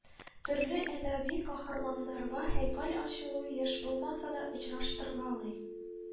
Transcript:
Төрле әдәби каһарманнарга һәйкәл ачылу еш булмаса да очраштыргалый